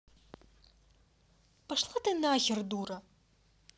пошла ты нахер дура